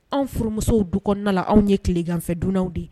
Anw furumuso du kɔnɔna anw ye tilekanfɛ dunw de ye